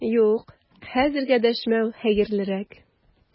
Юк, хәзергә дәшмәү хәерлерәк!